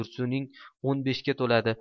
tursuning o'n beshga to'ladi